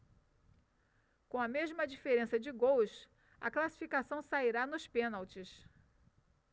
com a mesma diferença de gols a classificação sairá nos pênaltis